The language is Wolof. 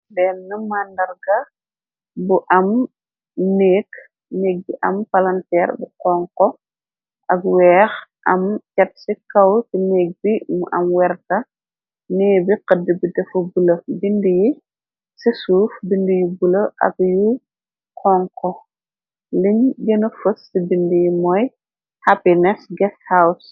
Benna màndarga bu am neek nek bi am palanteer bu xonko ak weex am ja ci kaw ti neg bi mu am werta nee bi xëdd bi defa bule bind yi ci suuf bind yu bule ak yu xonko liñ gëna fos ci bindi yi mooy hapines gase house.